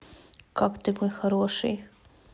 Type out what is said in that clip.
как ты мой хороший